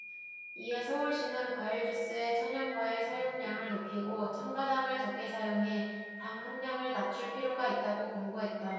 이에 서울시는 과일주스의 천연과일 사용량을 높이고 첨가당을 적게 사용해 당 함량을 낮출 필요가 있다고 권고했다